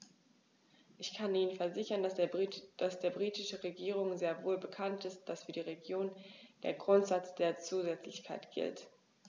Ich kann Ihnen versichern, dass der britischen Regierung sehr wohl bekannt ist, dass für die Regionen der Grundsatz der Zusätzlichkeit gilt.